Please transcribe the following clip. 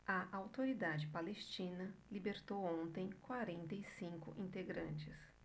a autoridade palestina libertou ontem quarenta e cinco integrantes